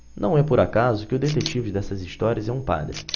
não é por acaso que o detetive dessas histórias é um padre